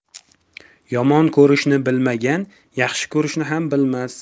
yomon ko'rishni bilmagan yaxshi ko'rishni ham bilmas